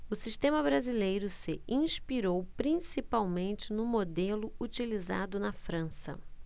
o sistema brasileiro se inspirou principalmente no modelo utilizado na frança